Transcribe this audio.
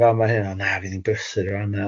Wel ma' hynna, na fydd hi'n brysur yn fan'na